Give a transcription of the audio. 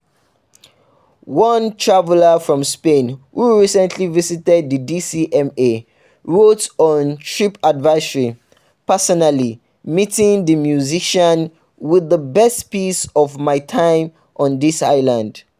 One traveler from Spain, who recently visited the DCMA, wrote on TripAdvisor: "Personally, meeting the musicians was the best piece of my time on this island".